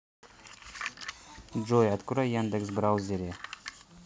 джой открой яндекс браузере